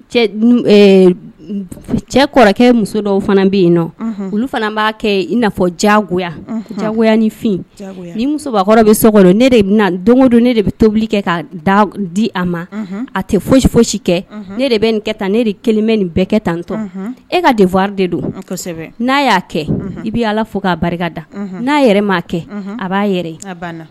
Cɛ kɔrɔkɛ muso dɔw fana bɛ yen olu fana b'a kɛ i jago jagoya nifin ni musokɔrɔ bɛ so ne don don ne de bɛ tobili kɛ ka da di a ma a tɛ foyisi kɛ ne de bɛ nin kɛ tan ne de kelenmɛ nin bɛɛ kɛ tan tɔ e ka dewa de don n'a y'a kɛ i bɛ ala fo k'a barika da n'a yɛrɛ m'a kɛ a b'a yɛrɛ